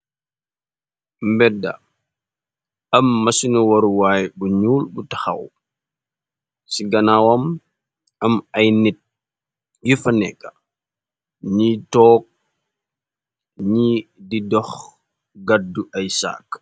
Mbedda am masinu waruwaay bu ñuul bu tahaw, ci ganaawam am ay nit yu fa nekka ñi toog ñi di doh gaddu ay saag.